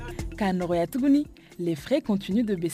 K'a nɔgɔya tuguni kun tun